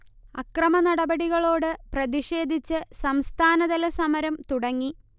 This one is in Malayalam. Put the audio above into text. അക്രമനടപടികളോട് പ്രതിഷേധിച്ച് സംസ്ഥാനതല സമരം തുടങ്ങി